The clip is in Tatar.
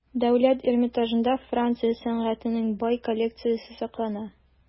Дәүләт Эрмитажында Франция сәнгатенең бай коллекциясе саклана.